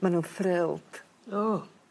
Ma' nw'n thrilled. O!